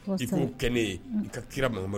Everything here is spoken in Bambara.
I k koo kɛ ne i ka kira ma ma